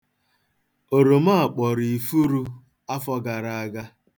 Oroma a kpọrọ ifuru afọ gara aga.